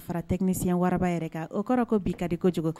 Fara Technicien wara yɛrɛ kan . O kɔrɔ ko bi ka di kojugu.